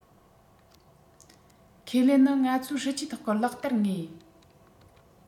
ཁས ལེན ནི ང ཚོའི སྲིད ཇུས ཐོག གི ལག བསྟར ངོས